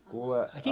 kuule a